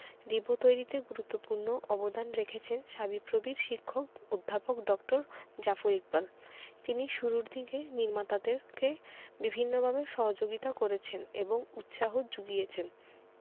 রিবো তৈরিতে গুরুত্বপূর্ণ অবদান রেখেছেন শাবিপ্রবির শিক্ষক অধ্যাপক ড জাফর ইকবাল তিনি শুরুর দিকে নির্মাতাদেরকে বিভিন্নভাবে সহযোগিতা করেছেন এবং উৎসাহ যুগিয়েছেন